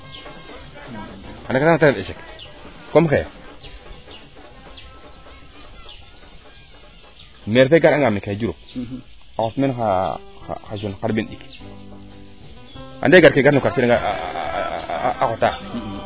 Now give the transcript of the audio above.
anda ke taxna te ref echec comme xaye maire fee gar anga meeke Diouroup a xot meen xa jeune xarɓeen ɗik ande gar ke gar no quartier leŋ a xotaa